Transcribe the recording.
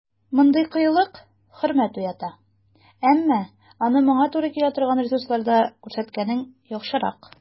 Мондый кыюлык хөрмәт уята, әмма аны моңа туры килә торган ресурсларда күрсәткәнең яхшырак.